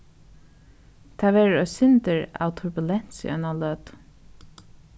tað verður eitt sindur av turbulensi eina løtu